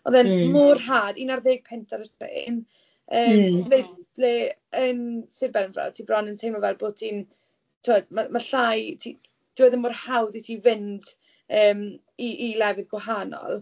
A oedd e'n... m-hmm. ...mor rhad. Un ar ddeg punt ar y trên yym... mm. ...le le yn Sir Benfro ti bron yn teimlo fel bod ti'n... tibod ma' ma' llai... ti... dyw e ddim mor hawdd i ti fynd yym i i lefydd gwahanol.